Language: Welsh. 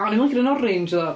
O'n i'm yn licio'r un orange ddo.